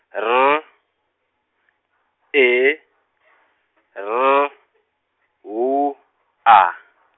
R E L W A.